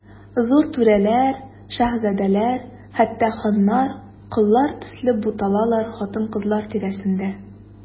Зур түрәләр, шаһзадәләр, хәтта ханнар, коллар төсле буталалар хатын-кызлар тирәсендә.